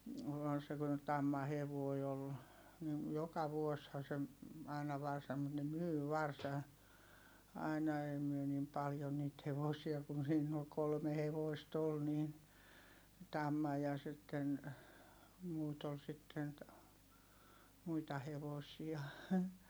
- kun tammahevonen oli niin joka vuosihan se aina varsan mutta ne myi varsan aina ei me niin paljon niitä hevosia kun siinä oli kolme hevosta oli niin tamma ja sitten muuta oli sitten muita hevosia